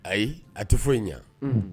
Ayi a tɛ foyi ɲɛ, un